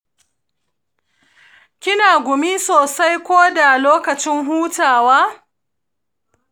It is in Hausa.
kina gumi sosai ko da lokacin hutawa?